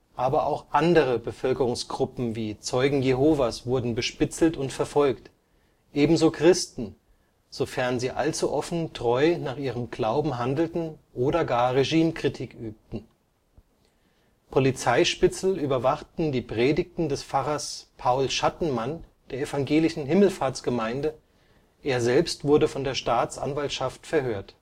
Aber auch andere Bevölkerungsgruppen wie Zeugen Jehovas wurden bespitzelt und verfolgt, ebenso Christen, sofern sie allzu offen treu nach ihrem Glauben handelten oder gar Regimekritik übten. Polizeispitzel überwachten die Predigten des Pfarrers Paul Schattenmann der evangelischen Himmelfahrtsgemeinde, er selbst wurde von der Staatsanwaltschaft verhört